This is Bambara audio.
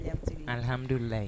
Alihamdulilayi